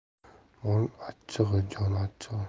mol achchig'i jon achchig'i